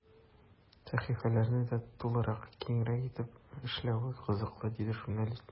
Сәхифәләрне дә тулырак, киңрәк итеп эшләве кызыклы, диде журналист.